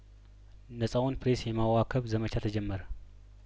ነጻውን ፕሬስ የማዋከብ ዘመቻ ተጀመረ